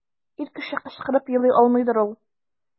Ир кеше кычкырып елый алмыйдыр ул.